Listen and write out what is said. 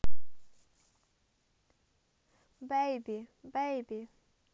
baby baby